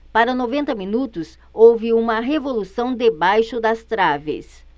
para noventa minutos houve uma revolução debaixo das traves